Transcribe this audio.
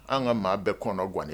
An ka maa bɛɛ kɔnɔwanɔni